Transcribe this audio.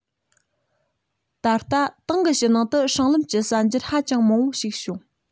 ད ལྟ ཏང གི ཕྱི ནང དུ སྲང ལམ གྱི གསར འགྱུར ཧ ཅང མང པོ ཞིག བྱུང